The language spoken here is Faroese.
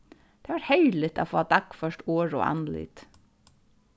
tað var herligt at fáa dagført orð og andlit